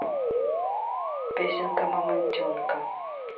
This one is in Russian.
песенка мамонтенка